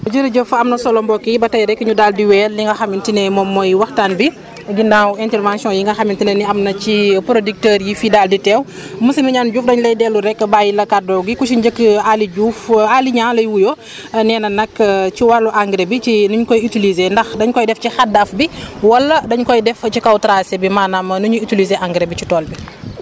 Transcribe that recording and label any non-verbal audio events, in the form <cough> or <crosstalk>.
jërëjëf am na solo mbokk yi ba tey rek ñu daal di wéyal li nga xamante ne moom mooy waxtaan bi <crosstalk> ginnaaw interventions yi nga xamante ne ni am na ci <crosstalk> producteurs yi fi daal di teew monsieur Mignane Diouf dañ lay dellu rek bàyyi la kaddu gi ku si njëkk Aly Diouf <hesitation> Aly Niang lay wuyoo <breath> nee na nag <hesitation> ci wàllu engrais bi ci ni ñu koy utilisé ndax dañ koy def ci xaddaaf bi wala dañ koy def ci kaw tracée bi maanaam nu ñuy utiliser engrais bi ci tool bi